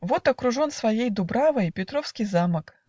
Вот, окружен своей дубравой, Петровский замок.